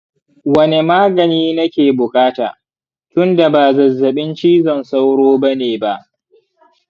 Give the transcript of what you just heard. wane magani nake buƙata tunda ba zazzaɓin cizon sauro ba ne ba?